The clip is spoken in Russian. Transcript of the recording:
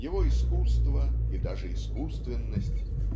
его искусство и даже искусственность.